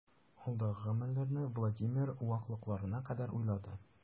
Алдагы гамәлләрне Владимир ваклыкларына кадәр уйлады.